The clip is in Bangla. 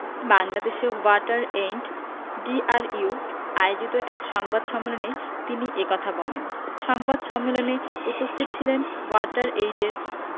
বাংলাদেশে ওয়াটার এইন্ড ডিআরইউ আয়োজিত এক সংবাদ সম্মেলন তিনি এ কথা বলেন সংবাদ সম্মেলনে উপস্থিত ছিলেন ওয়াটার এইডের